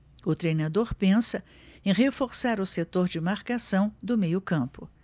o treinador pensa em reforçar o setor de marcação do meio campo